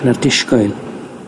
na'r disgwyl.